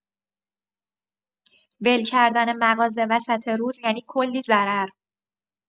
ول کردن مغازه وسط روز یعنی کلی ضرر.